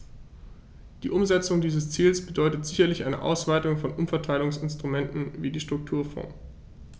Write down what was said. Die Umsetzung dieses Ziels bedeutet sicherlich eine Ausweitung von Umverteilungsinstrumenten wie die Strukturfonds.